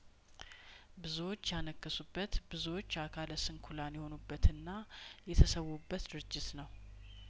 ብዙዎች ያነከሱበት ብዙዎች አካለስንኩላን የሆኑበትና የተሰዉበት ድርጅት ነው